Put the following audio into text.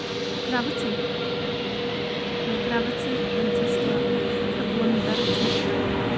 Gravity. Mae Gravity yn testio eich cyflymder teipio chi.